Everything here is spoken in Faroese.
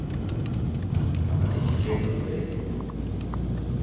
mann kann ikki keypa gleði